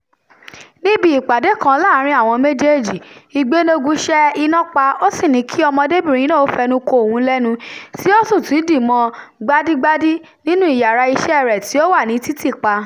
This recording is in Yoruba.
Níbi ìpàdé kan láàárín àwọn méjèèjì, Igbeneghu ṣẹ́ iná pa, ó sì ní kí ọmọdébìnrin náà ó fẹ́nu ko òhun lẹ́nu, tí ó sì tún dì mọ́ ọn gbádígbádí nínúu iyàraa iṣẹ́ẹ rẹ̀ tí ó wà ní títì pa.